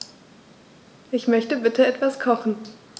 Ich möchte bitte etwas kochen.